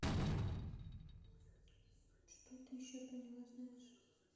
что ты еще про него знаешь